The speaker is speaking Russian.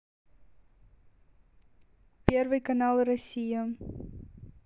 первый канал россия